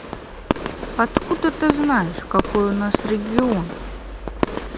откуда ты знаешь какой у нас регион